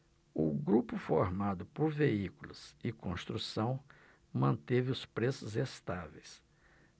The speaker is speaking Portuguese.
o grupo formado por veículos e construção manteve os preços estáveis